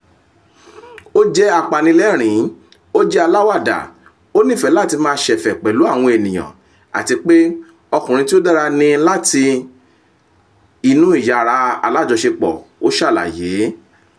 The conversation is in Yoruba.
"Ó jẹ́ apanilẹ́rìn ín, ó jẹ́ aláwàdà, ó nífẹ́ láti máa ṣ’ẹ̀fẹ̀ pẹ̀lú àwọn ènìyàn, àti pé ọkùnrin tí ó dára ni látin í nínú yàrá alájọṣepọ̀,” ó ṣàlàyé.